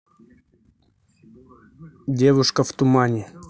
девушка в тумане